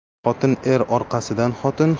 xotin er orqasidan xotin